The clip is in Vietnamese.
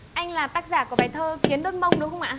anh là tác giả của bài thơ kiến đốt mông đúng không ạ